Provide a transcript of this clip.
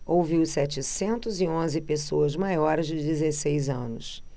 ouviu setecentos e onze pessoas maiores de dezesseis anos